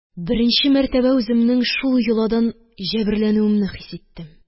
Беренче мәртәбә үземнең шул йоладан җәберләнүемне хис иттем...